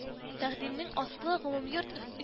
Тәкъдимнең асылы гомумйорт